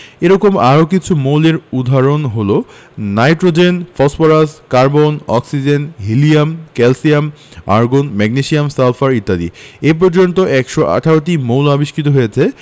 এরকম আরও কিছু মৌলের উদাহরণ হলো nitrogen phosphorus carbon oxygen helium calcium argon magnesium sulphur ইত্যাদি এ পর্যন্ত ১১৮টি মৌল আবিষ্কৃত হয়েছে